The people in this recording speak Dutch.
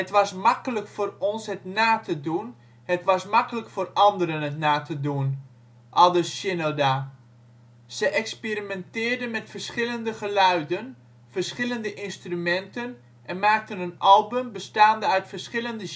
was makkelijk voor ons het na te doen, het was makkelijk voor anderen het na te doen, aldus Shinoda. Ze experimenteerden met verschillende geluiden, verschillende instrumenten en maakten een album bestaande uit verschillende